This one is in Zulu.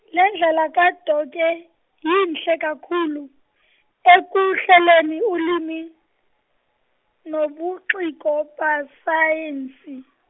lendlela kaDoke yinhle kakhulu ekuhleleni ulimi inobuciko besayensi.